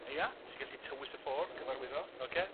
Ia sy gallu tywys y ffordd, cyfarwyddo. Ocê.